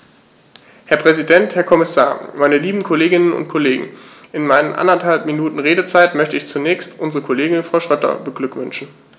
Herr Präsident, Herr Kommissar, meine lieben Kolleginnen und Kollegen, in meinen anderthalb Minuten Redezeit möchte ich zunächst unsere Kollegin Frau Schroedter beglückwünschen.